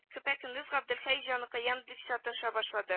Көпә-көндез габделхәй җаныкаем дип саташа башлады